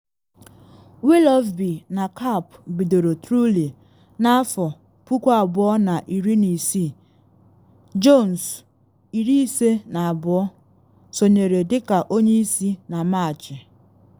Willoughby na Capp bidoro Truly na 2016, Jones, 52, sonyere dị ka onye isi na Machị.